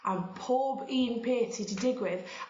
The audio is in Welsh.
am pob un peth sy 'di digwydd